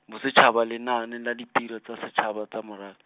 Bosetšhaba Lenaane la Ditiro tsa Setšhaba tsa Morafe.